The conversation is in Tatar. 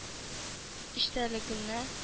Эчтәлегенә